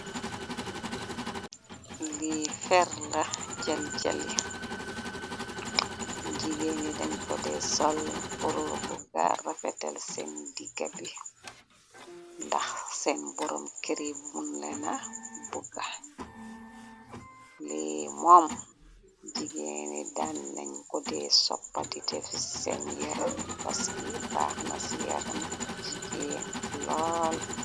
Li ferla jal-jalijigeeni dañ ko de sol pur buga rafetel seeni digabi ndax seen boroom kerr mun lena buga li moom jigeeni daan nañ kodee soppa didefis seen yarni paski baax na ci yaram jigeen lool.